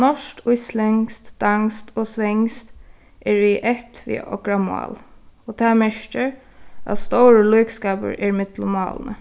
norskt íslendskt danskt og svenskt eru í ætt við okra mál og tað merkir at stórur líkskapur er millum málini